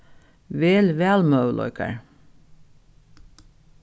vel valmøguleikar